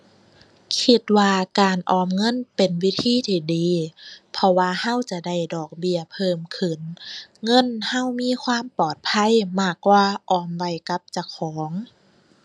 คิดว่าการออมเงินเป็นวิธีที่ดี เพราะว่าเราจะได้ดอกเบี้ยเพิ่มขึ้น เงินเรามีความปลอดภัยมากกว่าออมไว้กับเจ้าของ